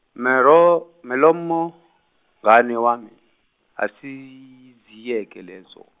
Mero- Meromo, mngane wami, asiziyeke lezo.